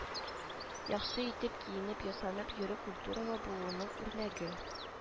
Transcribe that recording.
Яхшы итеп киенеп-ясанып йөрү культуралы булуның үрнәге